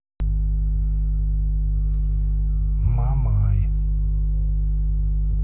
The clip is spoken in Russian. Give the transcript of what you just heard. мамай